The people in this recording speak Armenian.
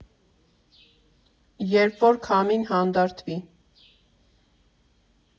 Երբ որ քամին հանդարտվի…